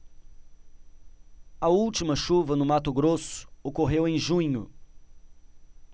a última chuva no mato grosso ocorreu em junho